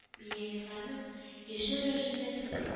Миллионерларның яшәү рәвешен генә түгел